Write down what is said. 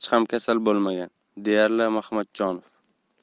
ham kasal bo'lmagan deydi mahmajonov